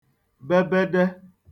bebede